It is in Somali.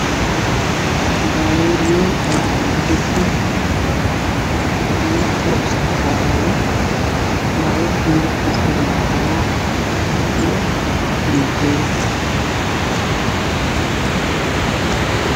Baabuur weyn oo kor isku qaadayo